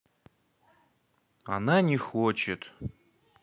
она не хочет